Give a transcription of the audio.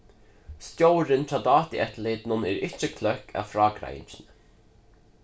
stjórin hjá dátueftirlitinum er ikki kløkk av frágreiðingini